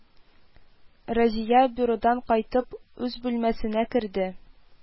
Разия, бюродан кайтып, үз бүлмәсенә керде